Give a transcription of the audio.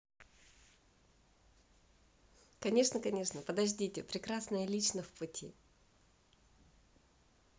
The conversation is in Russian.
конечно конечно подождите прекрасное лично в пути